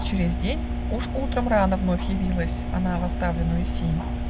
Через день Уж утром рано вновь явилась Она в оставленную сень.